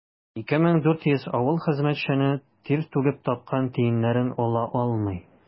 2400 авыл хезмәтчәне тир түгеп тапкан тиеннәрен ала алмый.